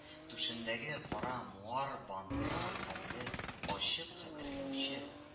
Түшендәге кара муар бантка хәтле ачык хәтерләүче